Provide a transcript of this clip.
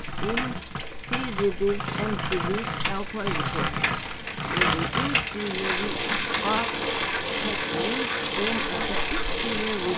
inn fyribils endurrit av koyrikorti verður útgivið við átekning um at tað ikki hevur